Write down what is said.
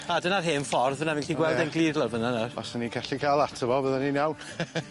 A dyna'r hen ffordd fyn 'na fi'n gallu gweld e'n glir lawr fyn 'na nawr. Os o'n i'n callu ca'l ato fo fydden ni'n iawn.